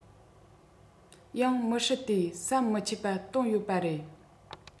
ཡང མི སྲིད དེ ཟམ མི ཆད པར བཏོན ཡོད པ རེད